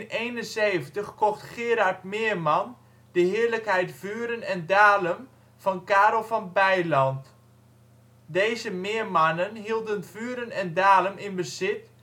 In 1771 kocht Gerard Meerman de heerlijkheid Vuren en Dalem van Carel van Bylandt. Deze Meermannen hielden Vuren en Dalem in bezit